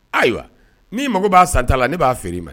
Ayiwa n'i mago b'a san ta la ne b'a feere i ma